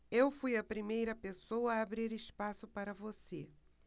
eu fui a primeira pessoa a abrir espaço para você